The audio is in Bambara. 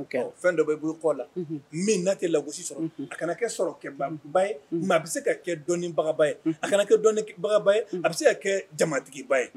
Fɛn dɔ bi bɔ i kɔ la min na tɛ lagosi sɔrɔ. A kana fɛ sɔrɔ kɛ banba ye mais a bi se ka kɛ dɔnibagaba ye a kana kɛ baga ye a bɛ se ka kɛ jamatigiba ye